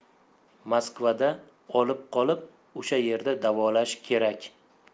moskvada olib qolib o'sha yerda davolash kerak